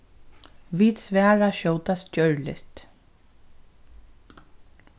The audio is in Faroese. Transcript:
vit svara skjótast gjørligt